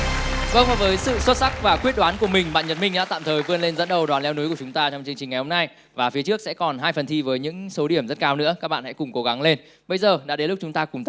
vâng và với sự xuất sắc và quyết đoán của mình bạn nhật minh đã tạm thời vươn lên dẫn đầu đoàn leo núi của chúng ta trong chương trình ngày hôm nay và phía trước sẽ còn hai phần thi với những số điểm rất cao nữa các bạn hãy cùng cố gắng lên bây giờ đã đến lúc chúng ta cùng